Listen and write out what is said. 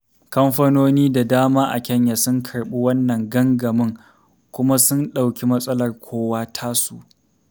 Kamfanoni da dama a Kenya sun karɓi wannan gangamin kuma sun ɗauki matsalar kowa tasu.